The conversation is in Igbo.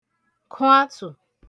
kwȧtu